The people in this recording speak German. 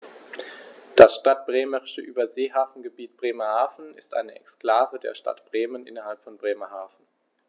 Das Stadtbremische Überseehafengebiet Bremerhaven ist eine Exklave der Stadt Bremen innerhalb von Bremerhaven.